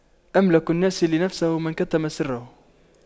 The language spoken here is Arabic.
أملك الناس لنفسه من كتم سره